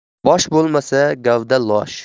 bosh bo'lmasa gavda losh